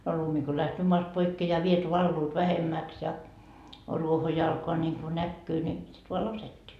no lumi kun lähtee maasta pois ja vedet valuvat vähemmäksi ja ruoho jo alkaa niin kuin näkyä niin sitten vain laskettiin